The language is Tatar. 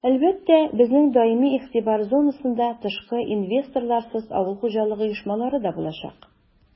Әлбәттә, безнең даими игътибар зонасында тышкы инвесторларсыз авыл хуҗалыгы оешмалары да булачак.